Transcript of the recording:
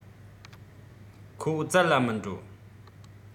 ཁོ བཙལ ལ མི འགྲོ